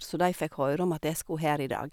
Så de fikk høre om at jeg skulle her i dag.